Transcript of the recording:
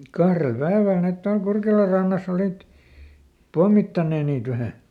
kahdella päivällä ne tuolla Kurkelan rannassa olivat pommittaneet niitä vähän